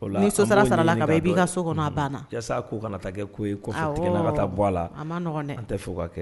Sara so kɔnɔ kana kɛ ka taa bɔ a la tɛ ka kɛ